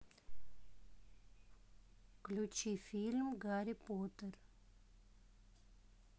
включи фильм гарри поттер